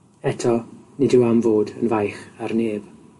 Eto, nid yw am fod yn faich ar neb.